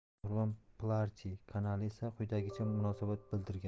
mehribon piarchi kanali esa quyidagicha munosabat bildirgan